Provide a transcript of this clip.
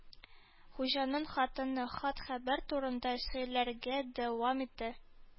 Хуҗаның хатыны хат-хәбәр турында сөйләргә дәвам итте